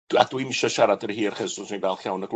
A dwi'm isio siarad yn ry hir, achos fyswn i'n falch iawn o